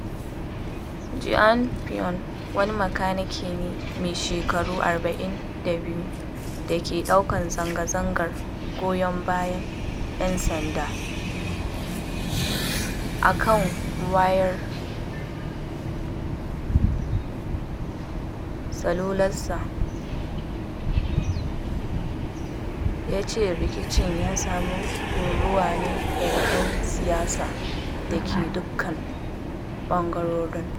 Joan Puig, wani makanike mai shekaru 42 da ke daukan zanga-zangar goyon bayan ‘yan sanda a kan wayar salularsa, ya ce rikicin ya sami ruruwa ne daga ‘yan siyasa da ke dukkan bangarorin.